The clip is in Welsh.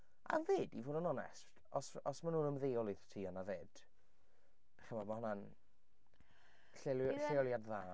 A 'fyd i fod yn onest os-os maen nhw'n ymddeol i'r tŷ yna fyd, chi'n 'mod mae hwnna'n lleolia-... ie... lleoliad dda.